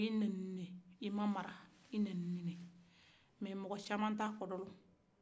i nenili le i ma mara i nenili nga mɔgɔ caman ta kɔrɔ dɔn